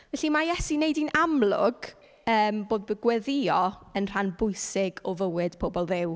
Felly, ma' Iesu'n wneud hi'n amlwg yym bod gweddïo yn rhan bwysig o fywyd pobl Dduw.